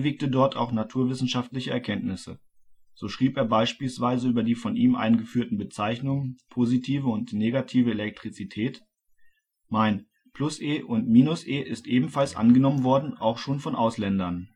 dort auch naturwissenschaftliche Erkenntnisse. So schrieb er beispielsweise über die von ihm eingeführten Bezeichnungen positive und negative Elektrizität: Mein +E und - E ist ebenfalls angenommen worden auch schon von Ausländern